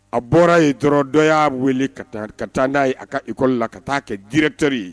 A bɔra ye dɔrɔn dɔ y'a wele ka taa n'a ye a ka école la ka taa a kɛ Directeur ye.